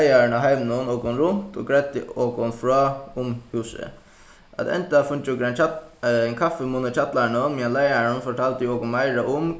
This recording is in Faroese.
leiðarin á heiminum okum runt og greiddi okum frá um húsið at enda fingu okur ein kaffimunn í kjallaranum meðan leiðarin fortaldi okum meira um